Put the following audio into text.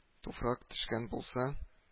Туфрак төшкән булса